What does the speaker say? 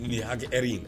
Ni hakɛ heure ye